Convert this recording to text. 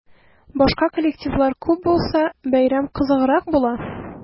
Башка коллективлар күп булса, бәйрәм кызыграк була.